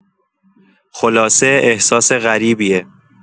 خلاصه احساس غریبیه